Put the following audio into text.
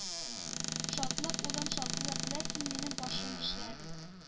Шатлык улым шатлык ләкин минем башым эшләми